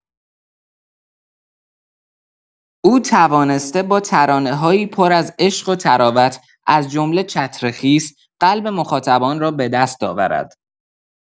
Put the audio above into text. او توانسته با ترانه‌هایی پر از عشق و طراوت، از جمله چتر خیس، قلب مخاطبان را به دست آورد.